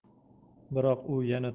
biroq u yana